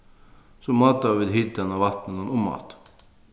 so mátaðu vit hitan á vatninum umaftur